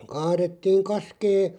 kaadettiin kaskea